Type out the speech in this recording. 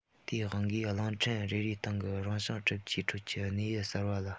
དེའི དབང གིས གླིང ཕྲན རེ རེའི སྟེང གི རང བྱུང གྲུབ ཆའི ཁྲོད ཀྱི གནས ཡུལ གསར པ ལ